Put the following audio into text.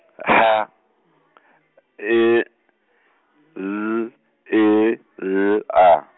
H E L E L A.